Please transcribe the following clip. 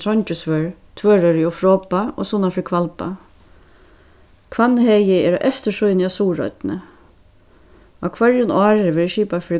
tvøroyri og froðba og sunnanfyri hvalba hvannhagi er á eystursíðuni á suðuroynni á hvørjum ári verður skipað fyri